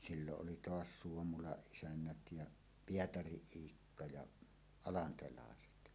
silloin oli tuossa Suomulan isännät ja Pietarin Iikka ja alantelaiset